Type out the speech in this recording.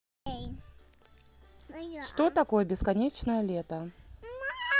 что такое бесконечное лето